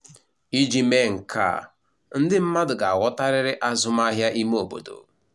Iji mee nke a, ndị mmadụ ga-aghọtarịrị azụmụahịa ime obodo.